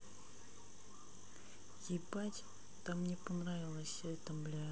ебать там не понравилось это блять